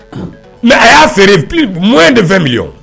Mɛ a y'a feere mɔ de fɛn bɛ